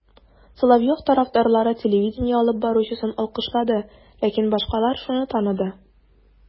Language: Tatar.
Соловьев тарафдарлары телевидение алып баручысын алкышлады, ләкин башкалар шуны таныды: